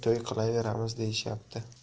to'y qilaveramiz deyishyapti